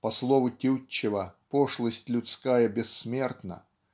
По слову Тютчева, пошлость людская бессмертна